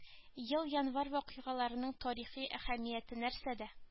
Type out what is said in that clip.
Ел январь вакыйгаларының тарихи әһәмияте нәрсәдә